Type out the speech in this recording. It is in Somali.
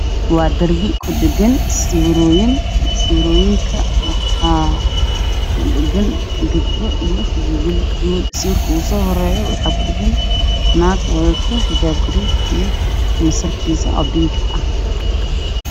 Waa darbi ku dhagan sawirooyin sawirooyinka waxaa ku dhagan gabdho wiilal sawirka igu soo horeeyo waxaa ku dhagan naag wadato xijaab gariij ah iyo masarkiisa oo binki ah.